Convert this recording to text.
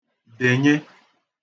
dènye